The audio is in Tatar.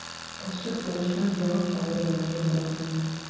Кызчык тумыштан яңак авыруыннан җәфалана.